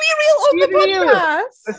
BeReal on the podcast!